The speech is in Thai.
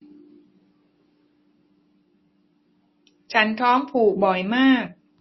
ฉันท้องผูกบ่อยมาก